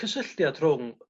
cysylltiad rhwng